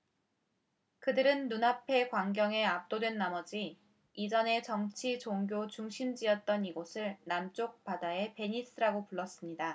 그들은 눈앞의 광경에 압도된 나머지 이전에 정치 종교 중심지였던 이곳을 남쪽 바다의 베니스라고 불렀습니다